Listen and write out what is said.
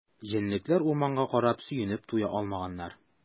Җәнлекләр урманга карап сөенеп туя алмаганнар.